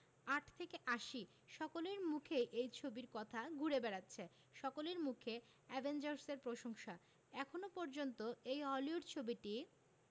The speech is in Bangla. আট থেকে আশি সকলের মুখেই এই ছবির কথা ঘুরে বেড়াচ্ছে সকলের মুখে অ্যাভেঞ্জার্স এর প্রশংসা এখনও পর্যন্ত এই হলিউড ছবিটি